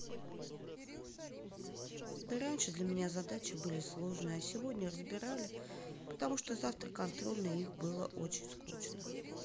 да раньше для меня задачи были сложные а сегодня разбирали потому что завтра контрольно их было очень скучно